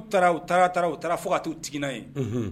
U taara u taara taara u taara fo ka taa u tigiigna ye